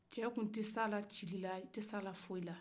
mɔgɔ tun te se a la cili la i te se a la foyil